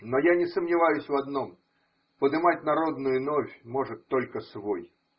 Но я не сомневаюсь в одном: подымать народную новь может только свой.